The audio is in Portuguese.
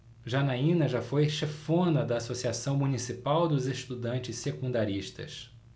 janaina foi chefona da ames associação municipal dos estudantes secundaristas